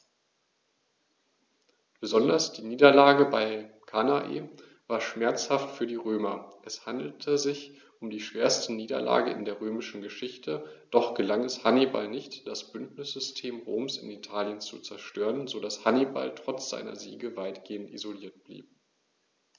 Besonders die Niederlage bei Cannae war schmerzhaft für die Römer: Es handelte sich um die schwerste Niederlage in der römischen Geschichte, doch gelang es Hannibal nicht, das Bündnissystem Roms in Italien zu zerstören, sodass Hannibal trotz seiner Siege weitgehend isoliert blieb.